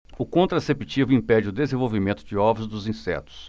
o contraceptivo impede o desenvolvimento de ovos dos insetos